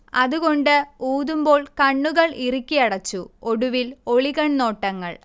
അതുകൊണ്ട് ഊതുമ്പോൾ കണ്ണുകൾ ഇറുക്കിയടച്ചു, ഒടുവിൽ ഒളികൺനോട്ടങ്ങൾ